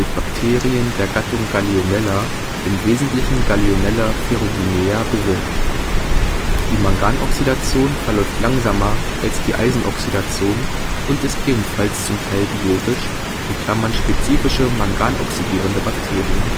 Bakterien der Gattung Gallionella, im Wesentlichen G. ferruginea, bewirkt. Die Manganoxidation verläuft langsamer als die Eisenoxidation und ist ebenfalls zum Teil biotisch (spezifische Mangan-oxidierende Bakterien